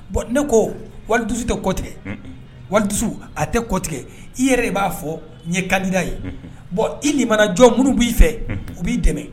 Bon ne ko wari dusu tɛ kɔtigɛ warisu a tɛ kɔ tigɛ i yɛrɛ de b'a fɔ ɲɛ kaka ye bɔn i nin mana jɔ minnu b'i fɛ u b'i dɛmɛ